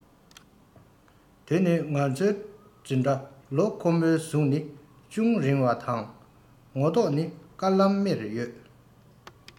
དི ནི ང ཚོའི འཛིན གྲྭ ལ ཁོ མོ གཟུགས ནི ཅུང རིང བ དང ངོ མདོག ནི དཀར ལམ མེར ཡོད